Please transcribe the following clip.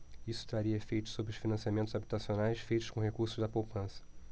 isso traria efeitos sobre os financiamentos habitacionais feitos com recursos da poupança